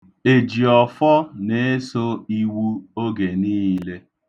Ejiọfọ na-eso iwu oge niile.